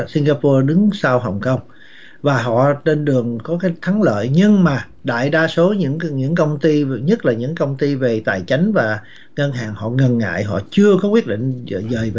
sin ga po đứng sau hồng công và họ trên đường có thắng lợi nhưng mà đại đa số những đường những công ty nhất là những công ty về tài chính và ngân hàng họ ngần ngại họ chưa có quyết định dạ dày